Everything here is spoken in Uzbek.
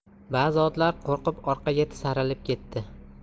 bazi otlar qo'rqib orqaga tisarilib ketdi